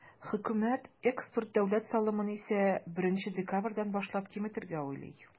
Хөкүмәт экспорт дәүләт салымын исә, 1 декабрьдән башлап киметергә уйлый.